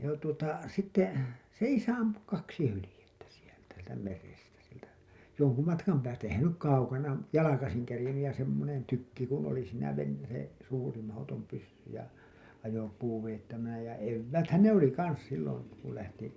ja tuota sitten se isä ampui kaksi hyljettä sieltä sieltä merestä sieltä jonkun matkan päästä eihän se nyt kaukana jalkaisin kerinnyt ja semmoinen tykki kun oli siinä - se suuri mahdoton pyssy ja ajopuu vedettävänä ja evääthän ne oli kanssa silloin kun lähti